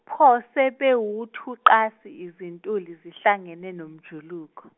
pho sebewuthunqasi izintuli zihlangene nomjuluko.